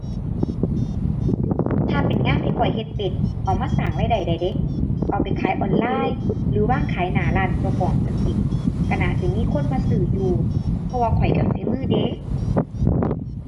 ถ้าเป็นงานที่ข้อยเฮ็ดเป็นเอามาสร้างรายได้ ได้เดะ เอาไปขายออนไลน์หรือวางขายหน้าร้านเจ้าของจั่งซี้ ก็น่าสิมีคนมาซื้ออยู่ เพราะว่าข้อยก็ฝีมือเดะ